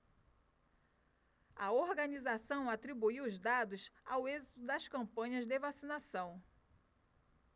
a organização atribuiu os dados ao êxito das campanhas de vacinação